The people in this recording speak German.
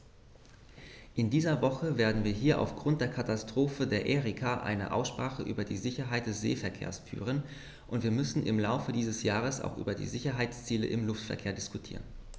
In dieser Woche werden wir hier aufgrund der Katastrophe der Erika eine Aussprache über die Sicherheit des Seeverkehrs führen, und wir müssen im Laufe dieses Jahres auch über die Sicherheitsziele im Luftverkehr diskutieren.